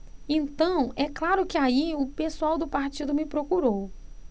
então é claro que aí o pessoal do partido me procurou